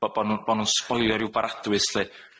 bo' bo' nw'n bo' nw'n sboilio ryw baradwys lly.